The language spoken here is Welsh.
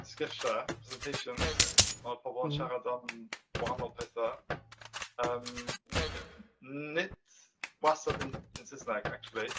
Sgyrsia presentations o pobl yn siarad am wahanol petha. Yym nid wastad yn Saesneg acshyli.